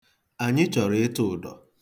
Anyị chọrọ ịtụ ụdọ.